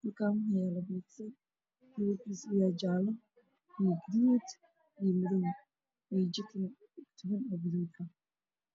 Halkan waxaa yaalo boorso kala horgeed yahay muddo jaalo gaduud chicken